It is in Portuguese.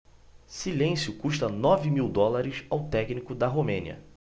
silêncio custa nove mil dólares ao técnico da romênia